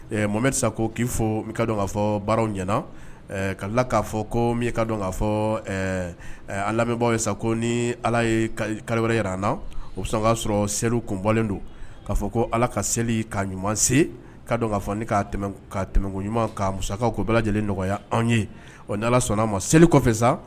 Mɔmɛ sa ko k'i fɔ k kaa fɔ baaraw ɲɛnaana' k' fɔ ko ka k'a fɔ ala lamɛn ye sa ko ni ala ye kali wɛrɛ yɛrɛ na o bɛ kaa sɔrɔ seli kunbɔlen don k'a fɔ ko ala ka seli ka ɲuman ka ka fɔ tɛmɛ ɲuman ka mu ko bɛɛ lajɛlen nɔgɔya anw ye ni ala sɔnna a ma seli kɔfɛ sa